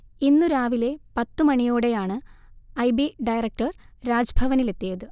ഇന്നു രാവിലെ പത്തു മണിയോടെയാണ് ഐ ബി ഡയറക്ടർ രാജ്ഭവനിലെത്തിയത്